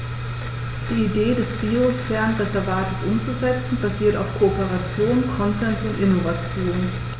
Die Idee des Biosphärenreservates umzusetzen, basiert auf Kooperation, Konsens und Innovation.